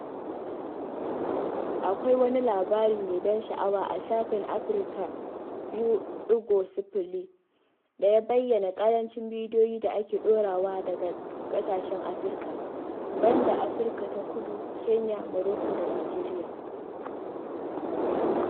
Akwai wani labari mai ban sha’awa a shafin Africa2.0 da ya bayyana ƙarancin bidiyon da ake ɗorawa daga ƙasashen Afirka (banda Afirka ta Kudu, Kenya, Morocco da Najeriya)